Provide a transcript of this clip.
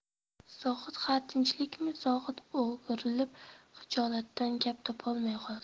zohid ha tinchlikmi zohid o'girilib xijolatdan gap topolmay qoldi